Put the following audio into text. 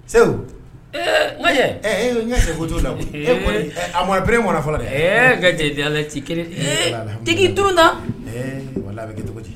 Segu segubere fɔlɔ dɛ ka ci kelen la tda wala